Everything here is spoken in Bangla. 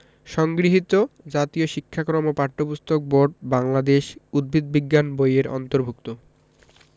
সংগৃহীত জাতীয় শিক্ষাক্রম ও পাঠ্যপুস্তক বোর্ড বাংলাদেশ উদ্ভিদ বিজ্ঞান বই এর অন্তর্ভুক্ত